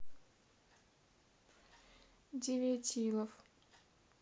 девятилов